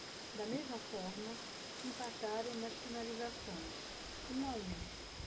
da mesma forma empataram nas finalizações um a um